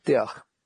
Diolch.